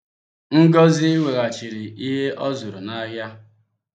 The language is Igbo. Ngọzị weghachịrị ihe ọ zụrụ na-ahịa.